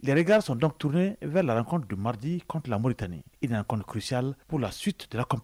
Gɛrɛka sontɔnturnene bɛ la9 don maridi9 mo tan in nak kurusi k'u lasiw tuntura kɔnɔ